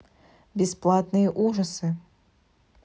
бесплатные ужасы